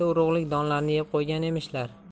donlarini yeb qo'ygan emishlar